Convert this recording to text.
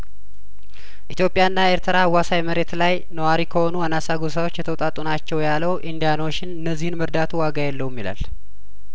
ኢትዮጵያና ኤርትራ አዋሳኝ መሬት ላይ ነዋሪ ከሆኑ አናሳ ጐሳዎች የተውጣጡ ናቸው ያለው ኢንዲያን ኦሽን እነዚህን መርዳቱ ዋጋ የለውም ይላል